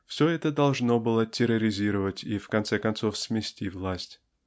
Все это должно было терроризировать и в конце концов смести власть.